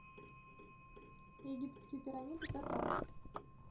египетские пирамиды закат